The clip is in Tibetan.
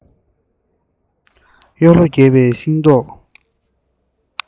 གཡོ ལོ རྒྱས པའི ཤིང ཏོག